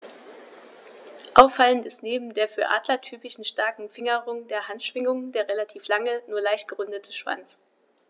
Auffallend ist neben der für Adler typischen starken Fingerung der Handschwingen der relativ lange, nur leicht gerundete Schwanz.